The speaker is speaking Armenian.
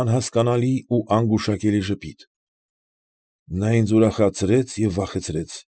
Անհասկանալի ու անգուշակելի ժպիտ, նա ինձ ուրախացրեց և վախեցրեց։